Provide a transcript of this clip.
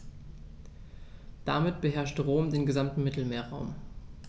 Damit beherrschte Rom den gesamten Mittelmeerraum.